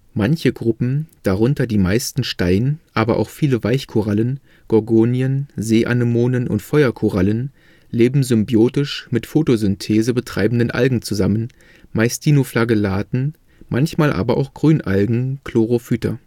Manche Gruppen, darunter die meisten Stein -, aber auch viele Weichkorallen, Gorgonien, Seeanemonen und Feuerkorallen leben symbiotisch mit Photosynthese betreibenden Algen zusammen, meist Dinoflagellaten (Dinoflagellata), manchmal aber auch Grünalgen (Chlorophyta